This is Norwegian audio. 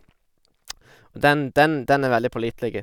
Og den den den er veldig pålitelig.